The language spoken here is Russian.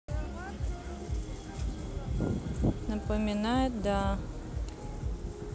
напоминает да